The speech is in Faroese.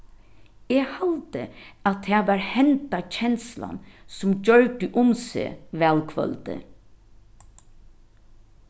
eg haldi at tað var henda kenslan sum gjørdi um seg valkvøldið